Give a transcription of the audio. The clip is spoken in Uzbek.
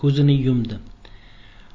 kuzini yumdi